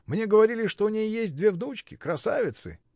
Мне говорили, что у ней есть две внучки, красавицы.